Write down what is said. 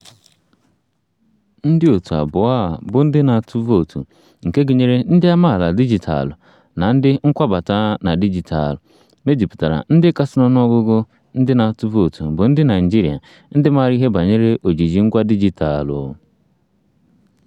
Ndị òtù abụọ a bụ ndị na-atụ vootu, nke gụnyere ndị amaala dijitalụ na ndị nkwabata na dijitalụ, mejupụtara ndị kasị n'ọnụọgụgụ ndị na-atụ vootu bụ ndị Naịjirịa ndị maara ihe banyere ojiji ngwa dijitalụ.